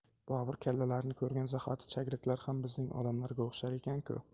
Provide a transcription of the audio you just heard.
bobur kallalarni ko'rgan zahoti chagraklar ham bizning odamlarga o'xshar ekan ku